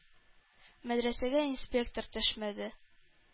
Мәдрәсәгә инспектор төшмәде.